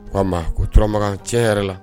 O ko a ma ko turamakan tiɲɛ yɛrɛ la